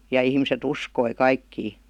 ja ihmiset uskoi kaikkia